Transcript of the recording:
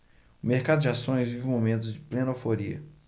o mercado de ações vive momentos de plena euforia